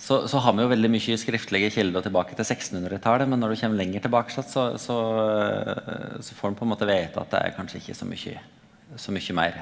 så så har me jo veldig mykje skriftlege kjelder tilbake til sekstenhundretalet, men når du kjem lenger tilbake att så så så får ein på ein måte vita at det er kanskje ikkje så mykje så mykje meir.